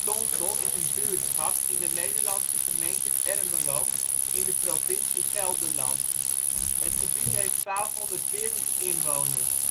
Tonsel is een buurtschap in de Nederlandse gemeente Ermelo, in de provincie Gelderland. Het gebied heeft 1240 inwoners (2004).